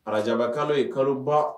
Araba kalo ye kalo ba